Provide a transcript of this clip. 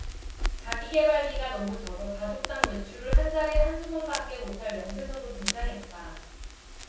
자기계발비가 너무 적어 가족당 외출을 한 달에 한 두 번밖에 못할 명세서도 등장했다